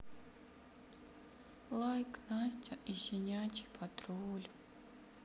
лайк настя и щенячий патруль